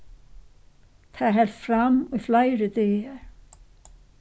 tað helt fram í fleiri dagar